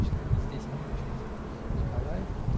Точно они здесь не учатся, Николай?